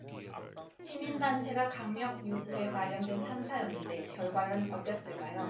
시민단체가 강력 요구해 마련된 탐사였는데 결과는 어땠을까요